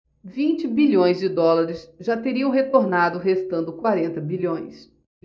vinte bilhões de dólares já teriam retornado restando quarenta bilhões